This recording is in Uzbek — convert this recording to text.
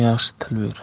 yaxshi til ber